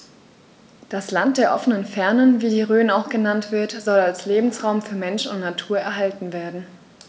Das „Land der offenen Fernen“, wie die Rhön auch genannt wird, soll als Lebensraum für Mensch und Natur erhalten werden.